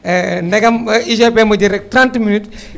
ndegam UGPM ma jël rek 30 minutes